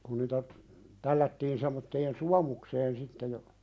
kun niitä tällättiin semmoiseen suomukseen sitten ja